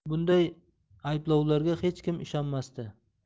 bunday ayblovlarga hech kim ishonmasdi